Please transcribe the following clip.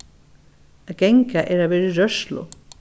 at ganga er at vera í rørslu